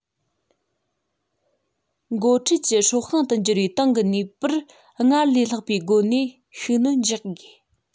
འགོ ཁྲིད ཀྱི སྲོག ཤིང དུ འགྱུར བའི ཏང གི ནུས པར སྔར ལས ལྷག པའི སྒོ ནས ཤུགས སྣོན རྒྱག དགོས